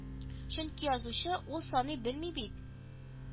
Чөнки язучы ул саный белми бит